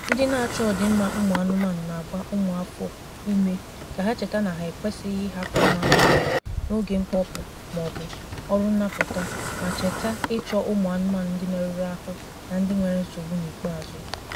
Ndị na-achọ ọdịmma ụmụanụmanụ na-agba ụmụafọ ume ka ha cheta na ha ekwesịghị ịhapụ ụmụ anụmanụ n'oge mkpọpụ maọbụ ọrụ nnapụta ma cheta ịchọ ụmụanụmanụ ndị merụrụ ahụ na ndị nwere nsogbu n'ikpeazụ.